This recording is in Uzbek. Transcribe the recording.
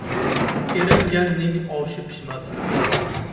eringanning oshi pishmas